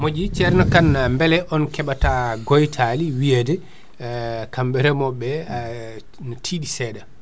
moƴƴi ceerno Kane beele on keeɓata goytali wiyede kamɓe reemoɓe ne tiiɗi seeɗa